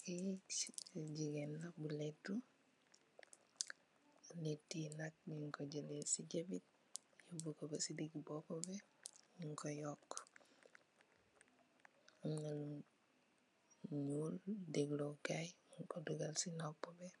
Kii gigain la bu lehtu, lehtii yii nak njung kor jeuleh cii jehh bii yobu kor beh cii digi bopu bii, njung kor yokue, amna lu njull, deglor kaii mung kor dugal cii nopu bii,